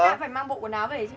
ra phải mang bộ quần áo về chứ